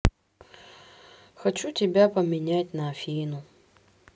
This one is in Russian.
хочу тебя поменять на афину